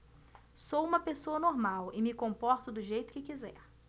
sou homossexual e me comporto do jeito que quiser